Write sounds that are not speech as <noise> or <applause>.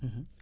<hesitation> <hesitation>